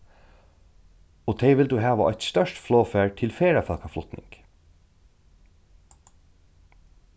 og tey vildu hava eitt stórt flogfar til ferðafólkaflutning